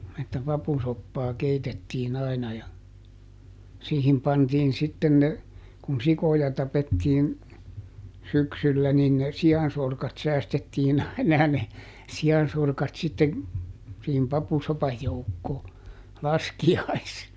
että papusoppaa keitettiin aina ja siihen pantiin sitten ne kun sikoja tapettiin syksyllä niin ne siansorkat säästettiin aina ja ne siansorkat sitten siihen papusopan joukkoon -